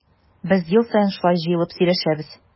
Без ел саен шулай җыелып сөйләшәбез.